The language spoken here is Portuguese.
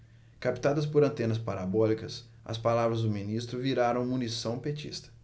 captadas por antenas parabólicas as palavras do ministro viraram munição petista